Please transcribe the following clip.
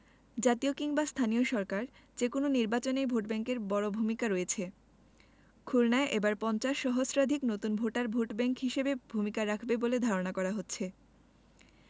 জাতীয় কিংবা স্থানীয় সরকার যেকোনো নির্বাচনেই ভোটব্যাংকের বড় ভূমিকা রয়েছে খুলনায় এবার ৫০ সহস্রাধিক নতুন ভোটার ভোটব্যাংক হিসেবে ভূমিকা রাখবে বলে ধারণা করা হচ্ছে